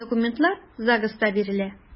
Калган документлар ЗАГСта бирелә.